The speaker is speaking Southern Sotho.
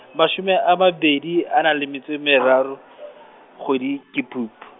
mashome a mabedi a nang le metso e meraro, kgwedi, ke Phupu.